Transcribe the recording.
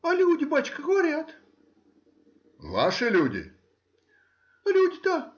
— А люди, бачка, говорят. — Ваши люди? — Люди-то?